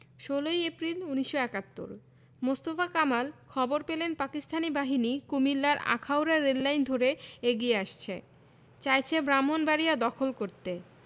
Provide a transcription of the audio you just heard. ১৬ April ১৯৭১ Mostafa Kamal খবর পেলেন পাকিস্তানি বাহিনী কুমিল্লার আখাউড়া রেললাইন ধরে এগিয়ে আসছে চাইছে ব্রাহ্মনবাড়িয়া দখল করতে